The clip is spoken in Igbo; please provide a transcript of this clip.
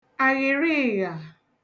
àghị̀rịị̀ghà